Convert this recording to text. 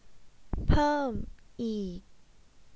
เพิ่มอีก